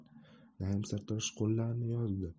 naim sartarosh qo'llarini yozdi